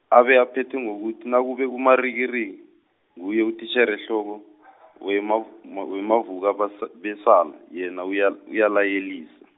abe aphethe ngokuthi nakube umarikiriki, nguye utitjherehloko , weMa- Ma- weMavukabu- besana yena uyal- uyalayelisa.